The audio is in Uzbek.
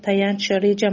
tayanch reja